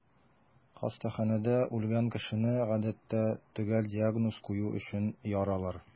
Хастаханәдә үлгән кешене, гадәттә, төгәл диагноз кую өчен яралар.